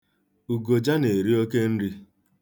Ugoja na-eri oke nri.